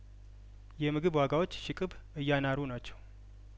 የምግብ ዋጋዎች ሽቅብ እያናሩ ናቸው